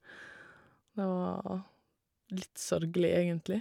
Det var litt sørgelig, egentlig.